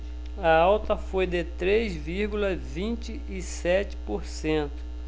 a alta foi de três vírgula vinte e sete por cento